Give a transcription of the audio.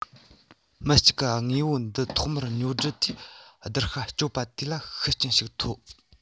མི གཅིག གིས དངོས པོ འདི ཐོག མར ཉོ སྒྲུབ དུས བརྡར ཤ གཅོད པ དེ ལ ཤུགས རྐྱེན ཞིག ཐོབ